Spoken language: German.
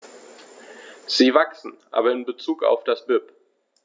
Sie wachsen, aber in bezug auf das BIP.